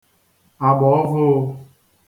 àgbàọvụụ